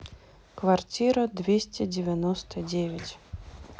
квартира двести девяносто девять